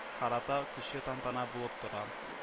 Карата кече тантана булып тора